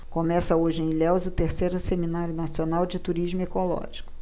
começa hoje em ilhéus o terceiro seminário nacional de turismo ecológico